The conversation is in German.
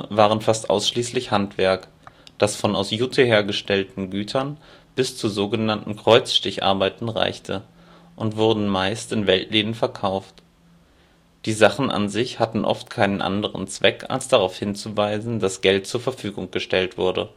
waren fast ausschließlich Handwerk, das von aus Jute hergestellten Gütern bis zu sog. Kreuzstich-Arbeiten reichte, und wurden meisten in Weltläden verkauft. Die Sachen an sich hatten oft keinen anderen Zweck, als darauf hinzuweisen, dass Geld zur Verfügung gestellt wurde